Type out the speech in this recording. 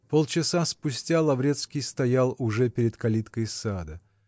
------ Полчаса спустя Лаврецкий стоял уже перед калиткой сада.